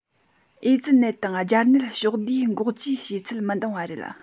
ཨེ ཙི ནད དང སྦྱར ནད ཕྱོགས བསྡུས འགོག བཅོས བྱས ཚད མི འདང བ རེད